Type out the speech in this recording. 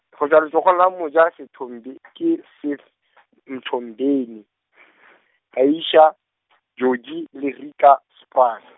go tswa letsogong la moja Sethombe ke Seth Mthombeni , Aysha Jogee le Rika Sprang.